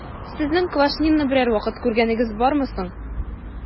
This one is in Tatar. Сезнең Квашнинны берәр вакыт күргәнегез бармы соң?